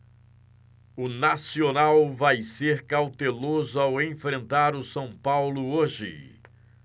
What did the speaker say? o nacional vai ser cauteloso ao enfrentar o são paulo hoje